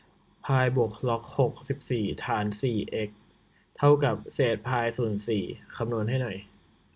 พายบวกล็อกหกสิบสี่ฐานสี่เอ็กซ์เท่ากับเศษพายส่วนสี่คำนวณให้หน่อย